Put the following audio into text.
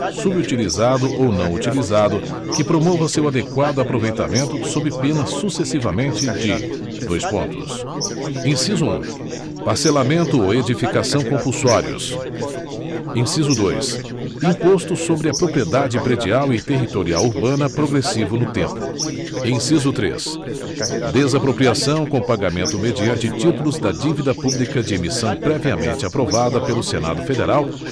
subutilizado ou não utilizado que promova seu adequado aproveitamento sob pena sucessivamente de dois pontos inciso um parcelamento ou edificação compulsórios inciso dois imposto sobre a propriedade predial e territorial urbana progressivo no tempo inciso três desapropriação com pagamento mediante títulos da dívida pública de emissão previamente aprovada pelo senado federal